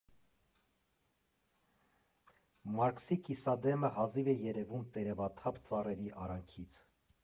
Մարքսի կիսադեմը հազիվ է երևում տերևաթափ ծառերի արանքից։